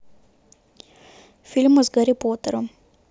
фильмы с гарри поттером